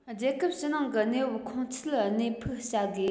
རྒྱལ ཁབ ཕྱི ནང གི གནས བབ ཁོང ཆུད གནད འཕིགས བྱ དགོས